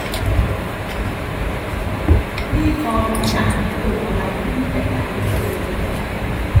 ที่คอของฉันมีตุ่มอะไรขึ้นเต็มไปหมดเลย